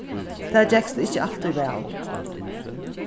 tað gekst ikki altíð væl